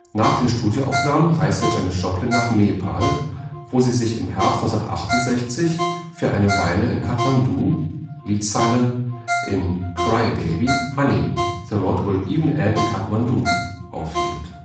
Nach den Studioaufnahmen reiste Janis Joplin nach Nepal, wo sie sich im Herbst 1968 für eine Weile in Kathmandu (Liedzeile in Cry baby: „... Honey, the road'll even end in Kathmandu “) aufhielt